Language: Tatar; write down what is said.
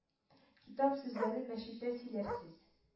-китап сүзләрен мәчеттә сөйләрсез,